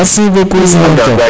merci beaucoup